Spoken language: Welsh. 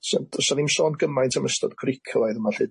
Sa- do's 'na 'im sôn gymaint am ystod y cwricwlaidd yma lly